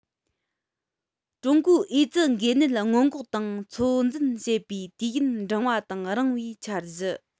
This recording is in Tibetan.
ཀྲུང གོའི ཨེ ཙི འགོས ནད སྔོན འགོག དང ཚོད འཛིན བྱེད པའི དུས ཡུན འབྲིང བ དང རིང བའི འཆར གཞི